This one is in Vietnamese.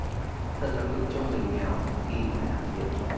thật là cực cho người nghèo khi phải nằm viện